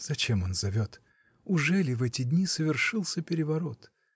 Зачем он зовет: ужели в эти дни совершился переворот?.